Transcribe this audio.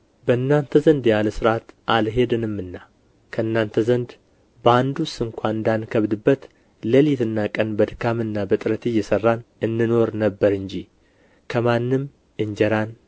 በእናንተ ዘንድ ያለ ሥርዓት አልሄድንምና ከእናንተ ዘንድ በአንዱ ስንኳ እንዳንከብድበት ሌሊትና ቀን በድካምና በጥረት እየሠራን እንኖር ነበር እንጂ ከማንም እንጀራን